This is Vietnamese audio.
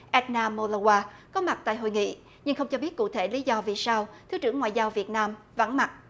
ếch na mô na goa có mặt tại hội nghị nhưng không cho biết cụ thể lý do vì sao thứ trưởng ngoại giao việt nam vắng mặt